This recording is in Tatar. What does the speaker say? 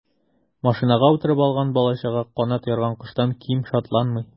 Машинага утырып алган бала-чага канат ярган коштан ким шатланмый.